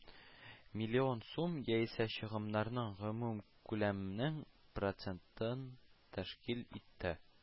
Миллион сум яисә чыгымнарның гомум күләменең процентын тәшкил итте